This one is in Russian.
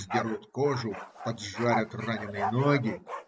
Сдерут кожу, поджарят раненые ноги.